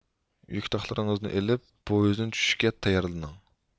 يۈك تاقلىرىڭىزنى ئېلىپ پويىزدىن چۈشۈشكە تەييارلىنىڭ